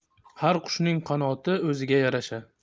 har qushning qanoti o'ziga yarasha